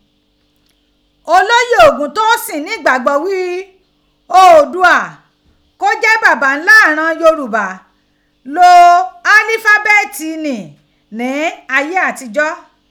Olóyè Ògúntósìn nígbàgbọ́ ghí Odùdughà, kó jẹ́ bàbá ńlá ìran Yorùbá lo alífábẹ́ẹ̀tì ni ní ayé àtijọ́.